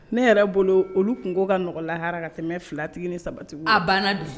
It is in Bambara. Ne yɛrɛ bolo olu tun' ka nɔgɔ lahara ka tɛmɛ filatigi ni sabati a banna don